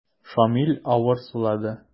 Шамил авыр сулады.